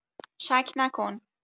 شک نکن